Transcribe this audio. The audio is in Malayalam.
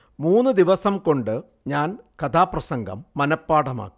മൂന്നു ദിവസം കൊണ്ടു ഞാൻ കഥാപ്രസംഗം മനഃപാഠമാക്കി